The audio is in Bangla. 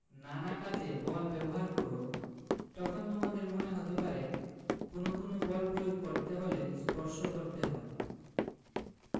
নানা কাজে বল ব্যবহার করো তখন তোমাদের মনে হতে পারে কোনো কোনো বল প্রয়োগ করতে হলে স্পর্শ করতে হয়